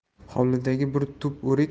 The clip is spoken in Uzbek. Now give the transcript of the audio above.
hovlidagi bir tup o'rik